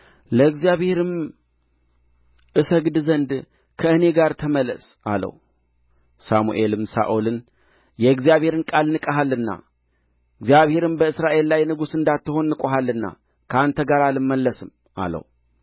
ለእግዚአብሔርም እሰግድ ዘንድ ከእኔ ጋር ተመለስ አለው ሳሙኤልም ሳኦልን የእግዚአብሔርን ቃል ንቀሃልና እግዚአብሔርም በእስራኤል ላይ ንጉሥ እንዳትሆን ንቆሃልና ከአንተ ጋር አልመለስም አለው